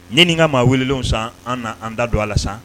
Ɲani ka maa welelen san an an da don a la san